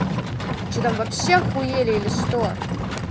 вы что там вообще охуели или что